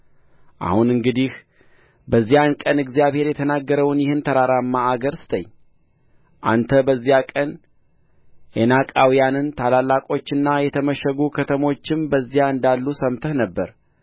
አሁን እንግዲህ በዚያን ቀን እግዚአብሔር የተናገረውን ይህን ተራራማ አገር ስጠኝ አንተ በዚያ ቀን ዔናቃውያን ታላላቆችና የተመሸጉ ከተሞችም በዚያ እንዳሉ ሰምተህ ነበር